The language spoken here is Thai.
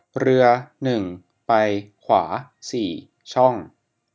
เรือหนึ่งไปขวาสี่ช่อง